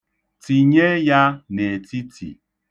Tinye ya n'etiti.